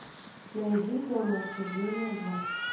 найди зону отчуждения два